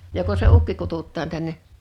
joko se ukki kutsutaan tänne